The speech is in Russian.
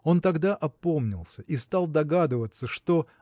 Он тогда опомнился и стал догадываться что